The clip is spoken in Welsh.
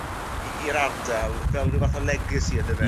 i'r ardal fel ryw fath o legacy on'd yfe...